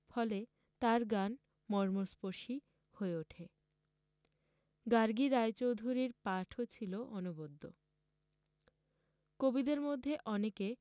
ফলে তার গান মর্মস্পর্শী হয়ে ওঠে গার্গী রায়চৌধুরীর পাঠও ছিল অনবদ্য কবিদের মধ্যে অনেকে